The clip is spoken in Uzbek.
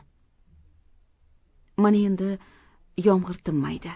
mana endi yomg'ir tinmaydi